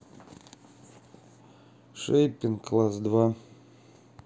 шейпинг класс два